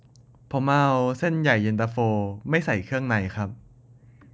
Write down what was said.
ผมเอาเส้นใหญ่เย็นตาโฟไม่ใส่เครื่องในครับ